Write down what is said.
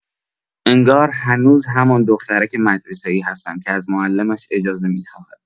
انگار هنوز همان دخترک مدرسه‌ای هستم که از معلمش اجازه می‌خواهد.